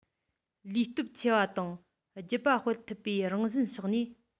ལུས སྟོབས ཆེ བ དང རྒྱུད པ སྤེལ ཐུབ པའི རང བཞིན ཕྱོགས ནས